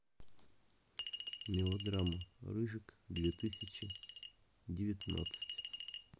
мелодрама рыжик две тысячи девятнадцать